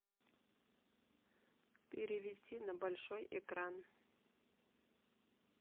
перевести на большой экран